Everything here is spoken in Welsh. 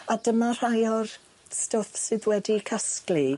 A dyma rhai o'r stwff sydd wedi 'i casglu.